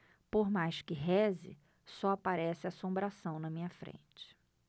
por mais que reze só aparece assombração na minha frente